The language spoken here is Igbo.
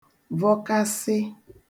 vọkasị